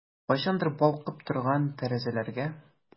Кайчандыр балкып торган тәрәзәләргә...